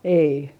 ei